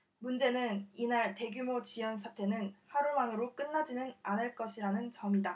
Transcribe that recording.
문제는 이날 대규모 지연 사태는 하루만으로 끝나지는 않을 것이라는 점이다